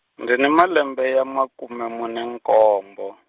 ndzi na malembe ya makume mune nkombo.